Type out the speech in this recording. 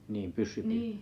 niin pyssypyynti